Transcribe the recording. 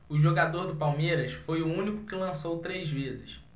o jogador do palmeiras foi o único que lançou três vezes